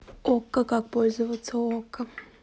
окко как пользоваться окко